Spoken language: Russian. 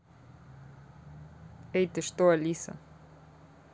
эй ты что алиса